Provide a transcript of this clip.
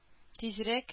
Тизрәк